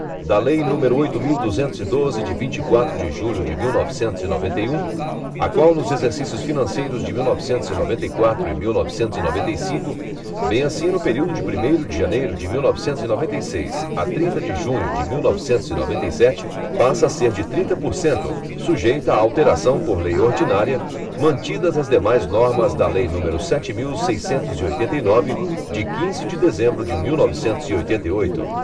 da lei número oito mil duzentos e doze de vinte e quatro de julho de mil e novecentos e noventa e um a qual nos exercícios financeiros de mil e novecentos e noventa e quatro e mil e novecentos e noventa e cinco bem assim no período de primeiro de janeiro de mil e novecentos e noventa e seis a trinta de junho de mil e novecentos e noventa e sete passa a ser de trinta por cento sujeita a alteração por lei ordinária mantidas as demais normas da lei número sete mil seiscentos e oitenta e nove de quinze de dezembro de mil e novecentos e oitenta e oito